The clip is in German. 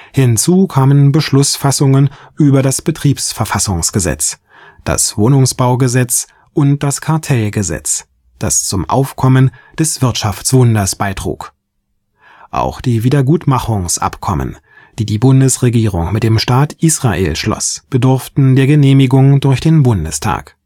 Hinzu kamen Beschlussfassungen über das Betriebsverfassungsgesetz, das Wohnungsbaugesetz und das Kartellgesetz, das zum Aufkommen des Wirtschaftswunders beitrug. Auch die Wiedergutmachungsabkommen, die die Bundesregierung mit dem Staat Israel schloss, bedurften der Genehmigung durch den Bundestag